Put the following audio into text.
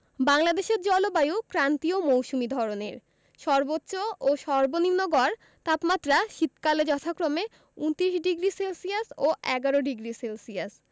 বাংলাদেশের জলবায়ু ক্রান্তীয় মৌসুমি ধরনের সর্বোচ্চ ও সর্বনিম্ন গড় তাপমাত্রা শীতকালে যথাক্রমে ২৯ ডিগ্রি সেলসিয়াস ও ১১ডিগ্রি সেলসিয়াস